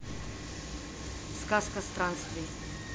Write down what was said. сказка странствий